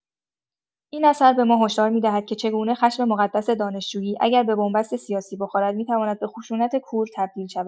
این اثر به ما هشدار می‌دهد که چگونه خشم مقدس دانشجویی، اگر به بن‌بست سیاسی بخورد، می‌تواند به خشونت کور تبدیل شود.